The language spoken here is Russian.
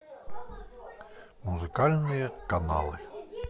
музыкальные каналы